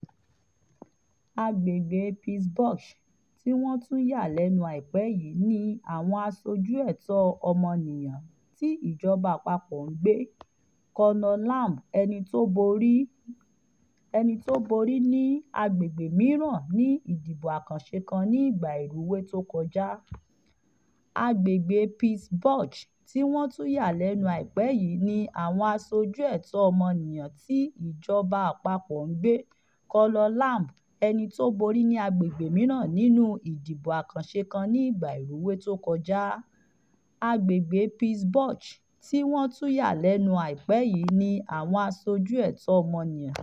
Agbègbè Pittsburgh tí wọ́n tún yà lẹ́nu àìpẹ́ yìí ni àwọn Aṣojú Ẹ̀tọ́ Ọmọnìyàn ti ìjọba Àpapọ̀ ń gbé. Conor Lamb - ẹni tó borí ní àgbègbè mìíràn nínú ìdìbò àkànṣe kan ní ìgbà ìrúwé tó kọjá.